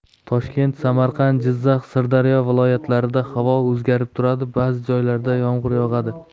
toshkent samarqand jizzax sirdaryo viloyatlarida havo o'zgarib turadi ba'zi joylarda yomg'ir yog'adi